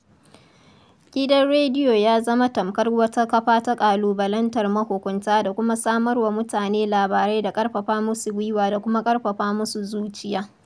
Gidan rediyo ya zama tamkar wata kafa ta ƙalubalantar mahukunta da kuma samar wa mutane labarai da ƙarfafa musu gwiwa da kuma ƙarfafa musu zuciya.